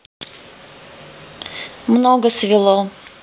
много свело